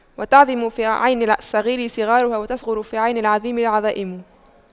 وتعظم في عين الصغير صغارها وتصغر في عين العظيم العظائم